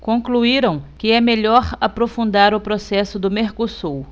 concluíram que é melhor aprofundar o processo do mercosul